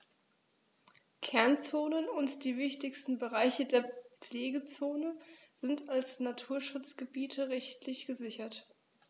Kernzonen und die wichtigsten Bereiche der Pflegezone sind als Naturschutzgebiete rechtlich gesichert.